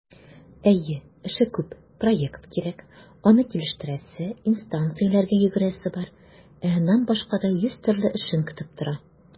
Әйе, эше күп - проект кирәк, аны килештерәсе, инстанцияләргә йөгерәсе бар, ә аннан башка да йөз төрле эшең көтеп тора.